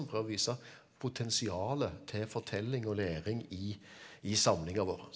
vi prøver å vise potensialet til fortelling og læring i i samlinga vår.